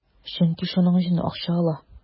Чөнки шуның өчен акча ала.